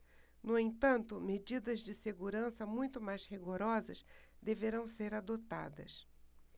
no entanto medidas de segurança muito mais rigorosas deverão ser adotadas